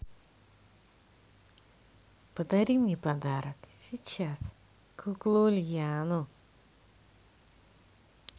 подари мне подарок сейчас куклу ульяну